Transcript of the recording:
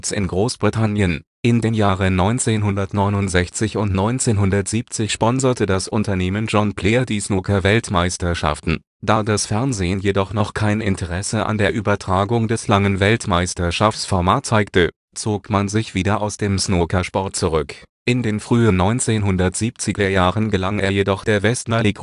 in Großbritannien. In den Jahren 1969 und 1970 sponserte das Unternehmen John Player die Snookerweltmeisterschaften. Da das Fernsehen jedoch noch kein Interesse an der Übertragung des langen Weltmeisterschafsformat zeigte, zog man sich wieder aus dem Snookersport zurück. In den frühen 1970er Jahren gelang es jedoch der West Nally Group